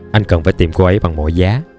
anh cần phải tìm cô ấy bằng mọi giá